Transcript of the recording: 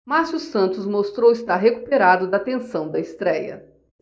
márcio santos mostrou estar recuperado da tensão da estréia